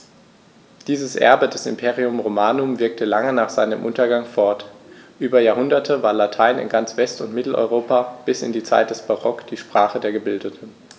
Dieses Erbe des Imperium Romanum wirkte lange nach seinem Untergang fort: Über Jahrhunderte war Latein in ganz West- und Mitteleuropa bis in die Zeit des Barock die Sprache der Gebildeten.